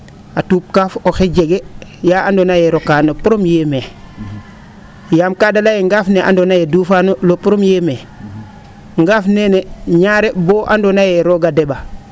a tuup kaaf oxey jege' yaa andoona yee rokaa no premier mai yaam kaa da lay ee ngaaf ne andoona yee duufaano le premier mai ngaaf nene ñaari boo andoona yee roog a de?a